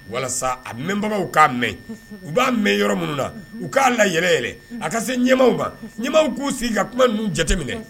Walasa a mɛnbagaw k'a mɛn u b'a mɛn yɔrɔ minnu na u k'a lay yɛrɛ a ka se ɲɛw ma ɲɛw k'u sigi ka kuma ninnu jateminɛ